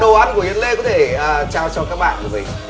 đồ ăn của yến lê có thể à trao cho các bạn của mình